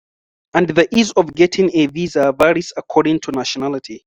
And the ease of getting a visa varies according to nationality.